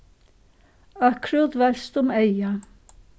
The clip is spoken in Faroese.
ókrút veldst um eygað